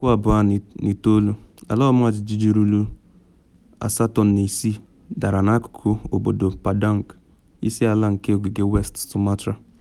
2009: Ala ọmajiji ruru 7.6 dara n’akụkụ obodo Padang, isi ala nke ogige West Sumatra.